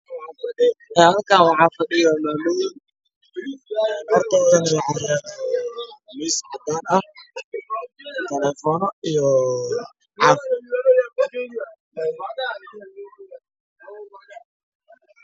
Waa hool waxaa fadhiya maamooyin waxay wataan xijaabo cadaan waxay wataan miis cadaan ayaa hor yaalla telefoon ayaa u saaran